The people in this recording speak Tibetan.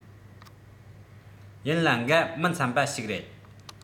ཡིན ལ འགའ མི འཚམ པ ཞིག རེད